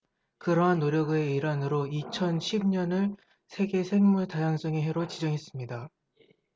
그러한 노력의 일환으로 이천 십 년을 세계 생물 다양성의 해로 지정했습니다